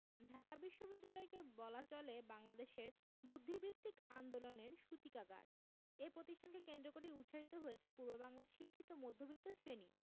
ঢাকা বিশ্ববিদ্যালয়কে বলা চলে বাংলাদেশের বুদ্ধিবৃত্তিক আন্দোলনের সূতিকাগার এ প্রতিষ্ঠানকে কেন্দ্র করেই উৎসারিত হয়েছে পূর্ববাংলার শিক্ষিত মধ্যবিত্ত শ্রেণি